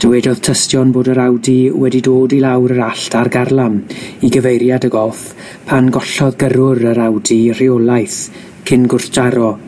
Dywedodd tystion bod yr Audi wedi dod i lawr yr allt ar garlam i gyfeiriad y golff, pan gollodd gyrrwr yr Audi rheolaeth cyn gwrthdaro